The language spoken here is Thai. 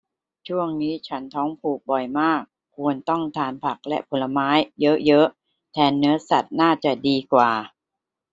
ช่วงนี้ฉันท้องผูกบ่อยมากควรต้องทานผักและผลไม้เยอะเยอะแทนเนื้อสัตว์น่าจะดีกว่า